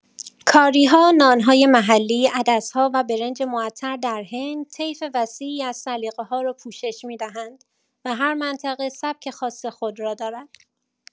کاری‌ها، نان‌های محلی، عدس‌ها و برنج معطر در هند طیف وسیعی از سلیقه‌ها را پوشش می‌دهند و هر منطقه سبک خاص خود را دارد.